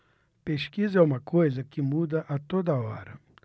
pesquisa é uma coisa que muda a toda hora